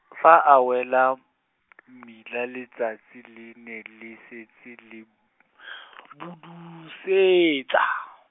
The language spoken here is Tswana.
fa a wela, mmila letsatsi le ne le setse le , budusetsa.